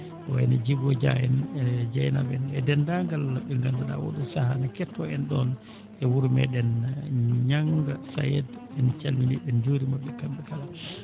ko wayi no Djibo Dia en e Dieynaba en e deenndaangal ɓe nganduɗaa oo ɗoo sahaa no kettoo en ɗoon ɗo wuro meeɗen Ñagga Saed en calminii ɓe en njuuriima ɓe kamɓe kala